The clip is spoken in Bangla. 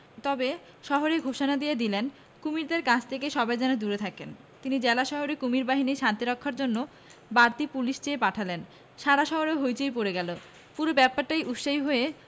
তবে শহরে ঘোষণা দিয়ে দিলেন কুমীরদের কাছ থেকে সবাই যেন দূরে থাকেন তিনি জেলা শহরে কুমীর বাহিনী শান্তি রক্ষার জন্যে বাড়তি পুলিশ চেয়ে পাঠালেন সারা শহরে হৈ চৈ পড়ে গেল পুরো ব্যাপারটায় উৎসাহী হয়ে